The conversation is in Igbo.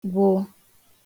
gwụ